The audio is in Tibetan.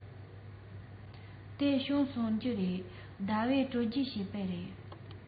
དེ བྱུང ཡོད ཀྱི རེད ཟླ བས སྤྲོད རྒྱུ བྱས པ རེད